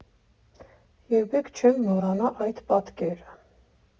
Երբեք չեմ մոռանա այդ պատկերը.